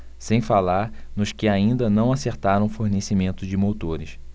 sem falar nos que ainda não acertaram o fornecimento de motores